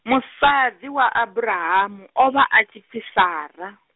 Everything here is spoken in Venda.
musadzi wa Aburahamu, o vha a tshi pfi Sara.